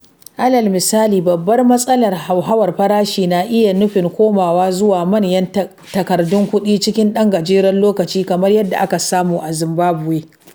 Alal misali, babban matsalar hauhawar farashi na iya nufin komawa zuwa manyan takardun kuɗi cikin ɗan gajeren lokaci, kamar yadda aka samu a Zimbabwe.